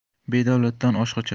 bedavlatdan osh qochar